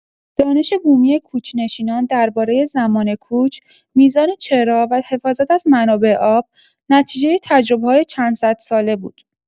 دانش بومی کوچ‌نشینان درباره زمان کوچ، میزان چرا و حفاظت از منابع آب، نتیجه تجربه‌های چندصدساله بود.